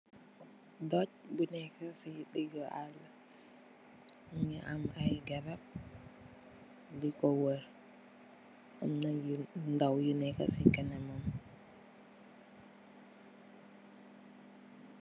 Dutch bu neka sey digi arlabi Mungi am I garab yuko woor amna yu ndaw yu neka sey kanamam.